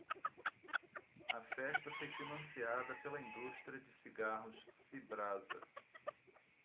a festa foi financiada pela indústria de cigarros cibrasa